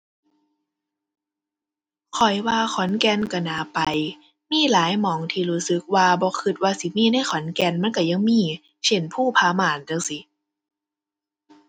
ข้อยว่าขอนแก่นก็น่าไป มีหลายหม้องที่รู้สึกว่าบ่ก็ว่าสิมีในขอนแก่นมันก็ยังมี เช่น ภูผาม่านจั่งซี้